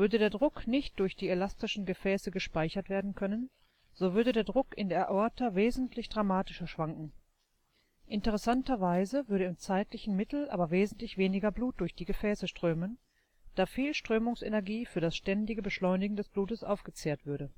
der Druck nicht durch die elastischen Gefäße gespeichert werden können, so würde der Druck in der Aorta wesentlich dramatischer schwanken. Interessanterweise würde im zeitlichen Mittel aber wesentlich weniger Blut durch die Gefäße strömen, da viel Strömungsenergie für das ständige Beschleunigen des Blutes aufgezehrt würde